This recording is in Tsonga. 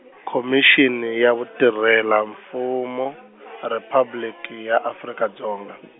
Khomixini ya Vutirhela-Mfumo, Riphabliki ya Afrika Dzonga.